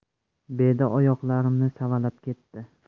beda oyoqlarimni savalab ketti